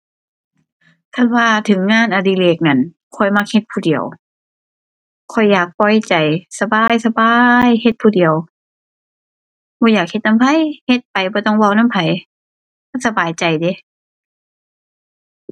คันว่าถึงงานอดิเรกนั้น ข้อยมักเฮ็ดผู้เดียว ข้อยอยากปล่อยใจสบายสบายเฮ็ดผู้เดียว บ่อยากเฮ็ดนำไผ เฮ็ดไปบ่ต้องเว้านำไผ มันสบายใจเดะ